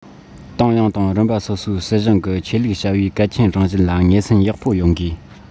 ཏང ཡོངས དང རིམ པ སོ སོའི སྲིད གཞུང གིས ཆོས ལུགས བྱ བའི གལ ཆེའི རང བཞིན ལ ངོས ཟིན ཡག པོ ཡོང དགོས